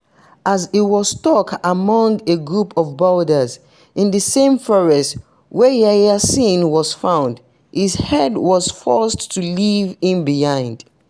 As he was stuck among a group of boulders in the same forest where Ayeyar Sein was found, his herd was forced to leave him behind.